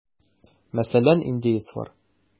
Мәсәлән, индеецлар.